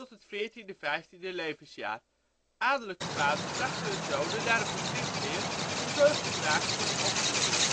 het veertiende, vijftiende levensjaar). Adellijke vaders brachten hun zonen naar een bevriend heer om zorg te dragen voor de opvoeding